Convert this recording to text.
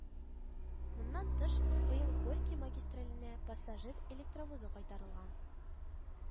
Моннан тыш, быел Горький магистраленә пассажир электровозы кайтарылган